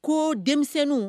Ko denmisɛnninw